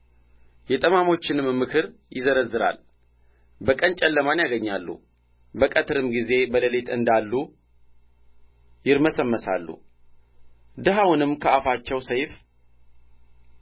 የጠማሞችንም ምክር ይዘረዝራል በቀን ጨለማን ያገኛሉ በቀትርም ጊዜ በሌሊት እንዳሉ ይርመሰመሳሉ ድሀውንም ከአፋቸው ሰይፍ